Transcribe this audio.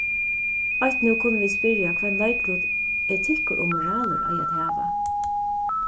eitt nú kunnu vit spyrja hvønn leiklut etikkur og moralur eiga at hava